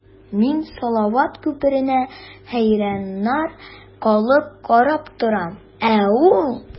Мин салават күперенә хәйраннар калып карап торам, ә ул...